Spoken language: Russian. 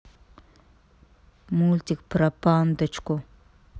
мультик про пандочку